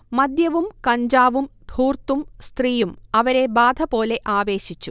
മദ്യവും കഞ്ചാവും ധൂർത്തും സ്ത്രീയും അവരെ ബാധപോലെ ആവേശിച്ചു